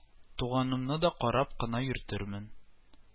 Туганымны да карап кына йөртермен